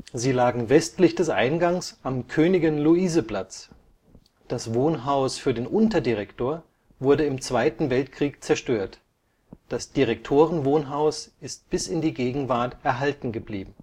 Sie lagen westlich des Eingangs am Königin-Luise-Platz. Das Wohnhaus für den Unterdirektor wurde im Zweiten Weltkrieg zerstört, das Direktorenwohnhaus ist bis in die Gegenwart erhalten geblieben